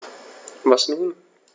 Was nun?